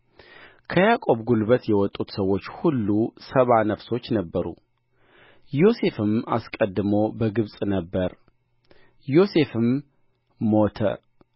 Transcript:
ከያቆብ ጕልበት የወጡት ሰዎች ሁሉ ሰባ ነፍሶች ነበሩ ዮሴፍም አስቀድሞ በግብፅ ነበረ ዮሴፍም ሞተ